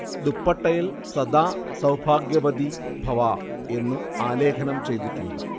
ദുപ്പട്ടയിൽ സദാ സൗഭാഗ്യവതി ഭവഃ എന്ന് ആലേഖനം ചെയ്തിട്ടുണ്ട്